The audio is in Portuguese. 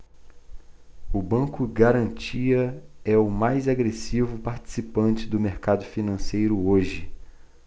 o banco garantia é o mais agressivo participante do mercado financeiro hoje